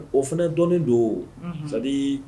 O fana dɔ don sadi